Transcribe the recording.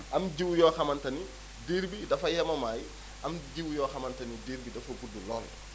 am jiwu yoo xamante ni diir bi dafa yemamaay am jiwu yoo xamante ni diir bi dafa gudd lool